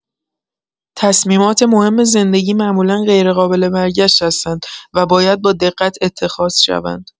تصمیمات مهم زندگی معمولا غیرقابل‌برگشت هستند و باید با دقت اتخاذ شوند.